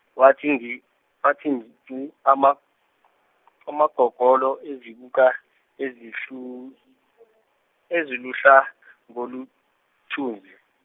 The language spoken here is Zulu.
wathi ngci wathi ngci ama- amagogolo ezibuko ezilhu- eziluhlaza ngokuluthuli.